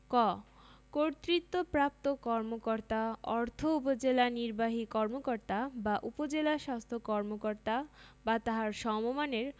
ক কর্তৃত্তপ্রাপ্ত কর্মকর্তা অর্থ উপজেলা নির্বাহী কর্মকর্তা বা উপজেলা স্বাস্থ্য কর্মকর্তা বা তাঁহার সমমানের